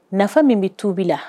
Nafa min bɛ tubi la